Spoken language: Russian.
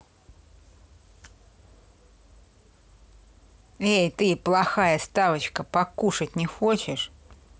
эй ты плохая ставочка покушать не хочешь